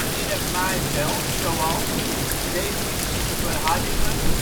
in het maaiveld zoals: definitieve verhardingen